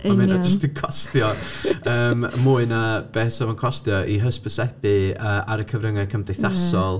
I mean 'sa fo jyst yn costio yym mwy na be 'sa fo'n costio i hysbysebu yy ar y cyfryngau cymdeithasol.